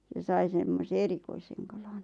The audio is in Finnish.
se sai semmoisen erikoisen kalan